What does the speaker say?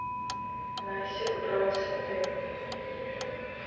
найсик бронь сады